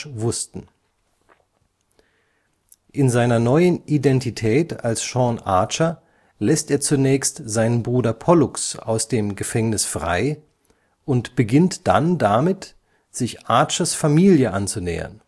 wussten. In seiner neuen Identität als Sean Archer lässt er zunächst seinen Bruder Pollux aus dem Gefängnis frei und beginnt dann damit, sich Archers Familie anzunähern